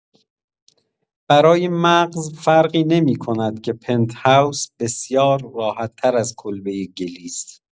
برای مغز فرقی نمی‌کند که پنت‌هاوس بسیار راحت‌تر از کلبه گلی است.